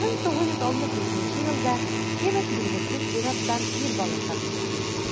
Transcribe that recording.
1964 елда кэбот билгесез ир-аттан ир бала тапты.